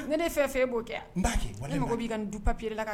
Ne ne fɛn fɛ b'o kɛ baki ne mɔgɔ b'i n du papi i la